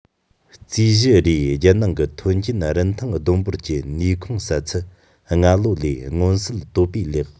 རྩིས གཞི རེའི རྒྱལ ནང གི ཐོན སྐྱེད རིན ཐང བསྡོམས འབོར གྱི ནུས ཁུངས ཟད ཚད སྔ ལོ ལས མངོན གསལ དོད པོས ལེགས